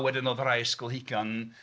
A wedyn oedd rhai ysgolheigion...